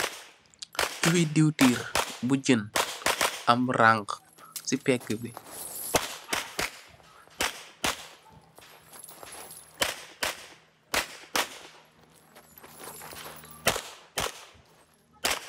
Shuwi dewtir bu geen am ranxa si pega bi.